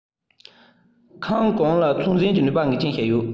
ཁང གོང ལ ཚོད འཛིན གྱི ནུས པ ངེས ཅན ཞིག ཡོད